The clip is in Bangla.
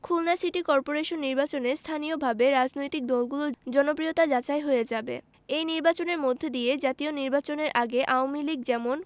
খুলনা সিটি করপোরেশন নির্বাচনে স্থানীয়ভাবে রাজনৈতিক দলগুলোর জনপ্রিয়তা যাচাই হয়ে যাবে এই নির্বাচনের মধ্য দিয়ে জাতীয় নির্বাচনের আগে আওয়ামী লীগ যেমন